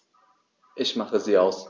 Ich mache sie aus.